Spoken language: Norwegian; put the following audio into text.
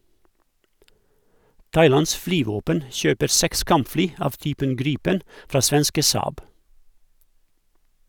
Thailands flyvåpen kjøper seks kampfly av typen Gripen fra svenske Saab.